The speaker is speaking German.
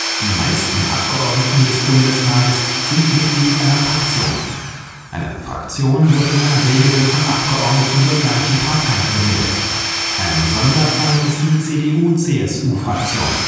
Die meisten Abgeordneten des Bundestages sind Mitglied einer Fraktion. Eine Fraktion wird in der Regel von Abgeordneten der gleichen Partei gebildet. Ein Sonderfall ist die CDU/CSU-Fraktion